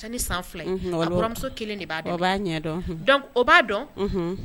Ni san filɛmuso kelen de b'a dɔn b'a o b'a dɔn